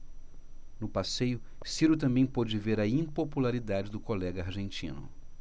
no passeio ciro também pôde ver a impopularidade do colega argentino